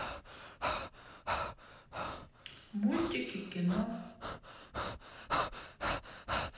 мультики кино